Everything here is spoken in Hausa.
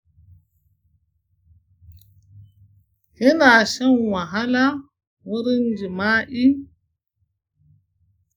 kina shan wahala wurin jima'i?